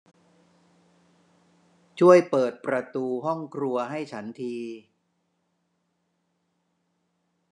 ช่วยเปิดประตูห้องครัวให้ฉันที